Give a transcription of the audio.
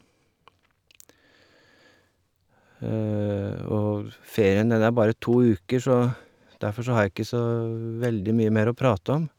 Og ferien den er bare to uker, så derfor så har jeg ikke så veldig mye mer å prate om.